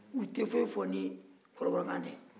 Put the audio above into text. u tɛ foyi fɔ ni kɔrɔbɔrɔkan tɛ